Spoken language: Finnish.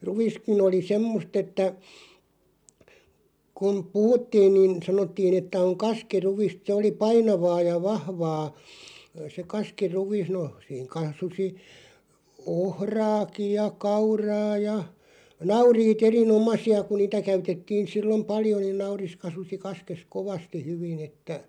ruiskin oli semmoista että kun puhuttiin niin sanottiin että on kaskiruista se oli painavaa ja vahvaa se kaskiruis no siinä kasvoi ohraakin ja kauraa ja nauriit erinomaisia kun niitä käytettiin silloin paljon niin nauris kasvoi kaskessa kovasti hyvin että